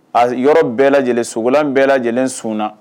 A s yɔrɔ bɛɛ lajɛlen sogolan bɛɛ lajɛlen sunna